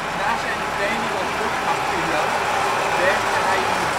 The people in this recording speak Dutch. Na zijn training als luchtmachtpiloot werkte hij in de burgerluchtvaart